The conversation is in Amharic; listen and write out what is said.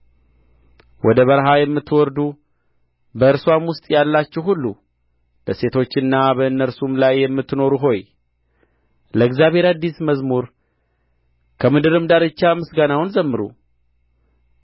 ወደ በረሃ የምትወርዱ በእርስዋም ውስጥ ያላችሁ ሁሉ ደሴቶችና በእነርሱም ላይ የምትኖሩ ሆይ ለእግዚአብሔር አዲስ መዝሙር ከምድርም ዳርቻ ምስጋናውን ዘምሩ